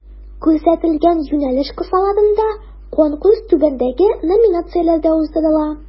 Күрсәтелгән юнәлеш кысаларында Конкурс түбәндәге номинацияләрдә уздырыла: